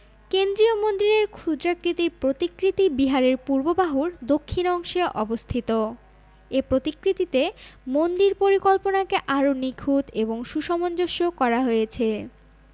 কেন্দ্রীয় মন্দিরের ক্ষুদ্রাকৃতির প্রতিকৃতি বিহারের পূর্ব বাহুর দক্ষিণ অংশে অবস্থিত এ প্রতিকৃতিতে মন্দির পরিকল্পনাকে আরও নিখুঁত এবং সুসমঞ্জস করা হয়েছে